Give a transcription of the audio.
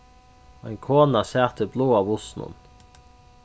ein kona sat í bláa bussinum